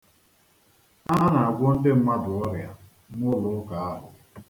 A na-agwọ ndị mmadụ ọrịa n'ụlọụka ahụ.